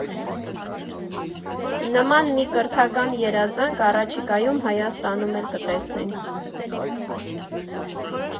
Նման մի կրթական երազանք առաջիկայում Հայաստանում էլ կտեսնենք։